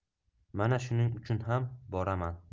mana shuning uchun ham boraman